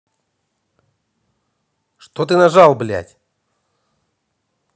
что ты нажал блядь